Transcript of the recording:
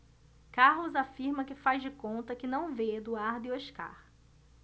carlos afirma que faz de conta que não vê eduardo e oscar